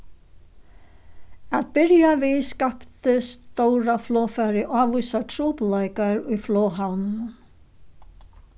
at byrja við skapti stóra flogfarið ávísar trupulleikar í floghavnunum